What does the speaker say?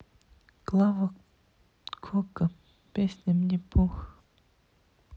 клава кока песня мне пох